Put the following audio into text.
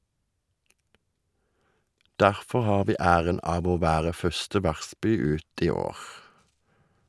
Derfor har vi æren av å være første vertsby ut i år.